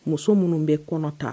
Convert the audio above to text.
Muso minnu bɛ kɔnɔta